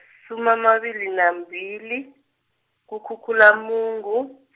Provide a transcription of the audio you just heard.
-sumi amabili nambili, kuKhukhulamungu.